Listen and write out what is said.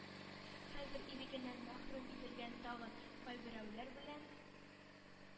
Хәзер ирегеннән мәхрүм ителгән тагын кайберәүләр белән